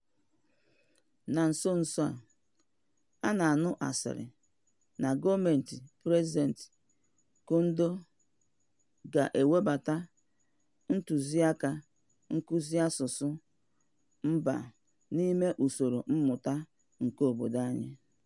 Na nso nso a, a na-anụ asịrị na gọọmentị President Condé ga-ewebata ntụziaka nkuzi asụsụ mba n'ime usoro mmụta nke obodo anyị.